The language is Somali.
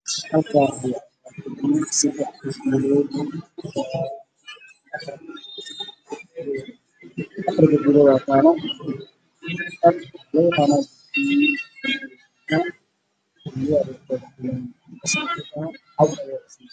Waa sadex dambiil oo ku jiraan alaab